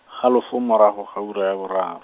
halofo morago ga ura ya borar-.